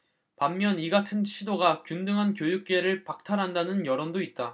반면 이같은 시도가 균등한 교육기회를 박탈한다는 여론도 있다